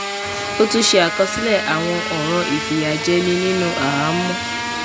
Ó tún ṣe àkọsílẹ̀ àwọn ọ̀ràn ìfìyàjẹni nínú àhámọ́.